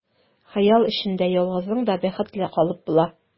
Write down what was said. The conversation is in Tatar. Хыял эчендә ялгызың да бәхетле калып була.